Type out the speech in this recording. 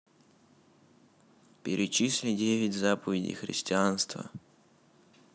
перечисли девять заповедей христианства